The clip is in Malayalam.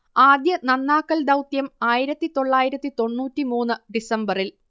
ആദ്യ നന്നാക്കൽ ദൗത്യം ആയിരത്തി തൊള്ളായിരത്തി തൊണ്ണൂറ്റി മൂന്ന് ഡിസംബറിൽ